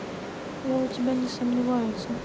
я у тебя не сомневаются